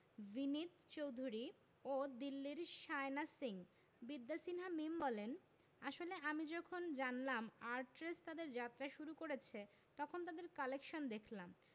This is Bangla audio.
ভিনিত চৌধুরী ও দিল্লির শায়না সিং বিদ্যা সিনহা মিম বলেন আসলে আমি যখন জানলাম আর্টরেস তাদের যাত্রা শুরু করেছে তখন তাদের কালেকশান দেখলাম